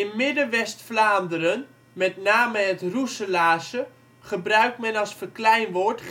Midden-West-Vlaanderen, met name het Roeselaarse, gebruikt men als verkleinwoord